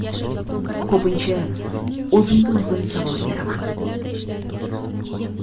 ko'pincha o'zimga o'zim savol beraman